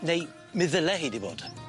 Neu me ddyle hi 'di bod.